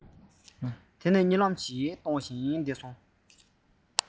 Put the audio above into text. རྨི ལམ གྱི ཞིང ཁམས སུ ལྷུང སོང